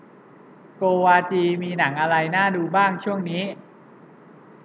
โกวาจีมีหนังอะไรน่าดูบ้างช่วงนี้